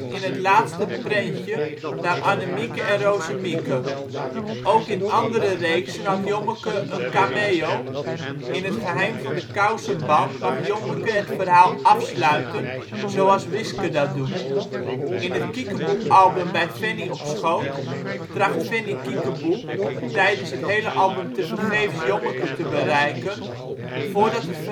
in het laatste prentje naar Annemieke en Rozemieke. Ook in andere reeksen had Jommeke een cameo, in Het geheim van de kousenband mag Jommeke het verhaal afsluiten zoals Wiske dat doet. In het Kiekeboealbum Bij Fanny op schoot tracht Fanny Kiekeboe, tijdens het hele album tevergeefs Jommeke te bereiken voordat